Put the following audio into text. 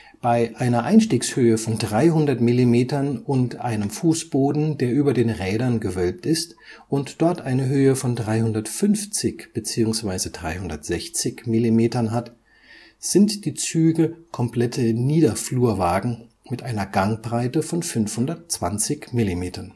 Bei einer Einstiegshöhe von 300 mm und mit einem Fußboden, der über den Rädern gewölbt ist und dort eine Höhe von 350 mm beziehungsweise 360 mm hat, [Anm. 1] sind die Züge komplette Niederflurwagen mit einer Gangbreite von 520 mm